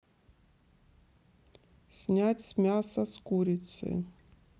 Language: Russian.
снять мясо с курицы